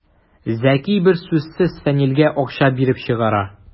Зәки бер сүзсез Фәнилгә акча биреп чыгара.